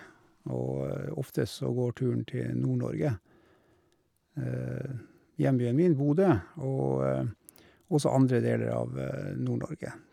Og ofte så går turen til Nord-Norge, hjembyen min Bodø, og også andre deler av Nord-Norge.